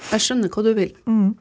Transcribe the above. jeg skjønner hvor du vil.